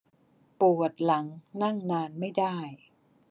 ปวดหลังนั่งนานไม่ได้